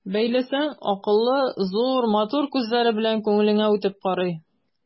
Бәйләсәң, акыллы, зур, матур күзләре белән күңелеңә үтеп карый.